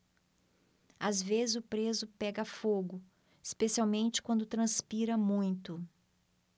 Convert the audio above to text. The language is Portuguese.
às vezes o preso pega fogo especialmente quando transpira muito